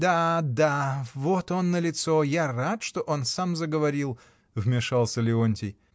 — Да, да: вот он налицо: я рад, что он сам заговорил! — вмешался Леонтий.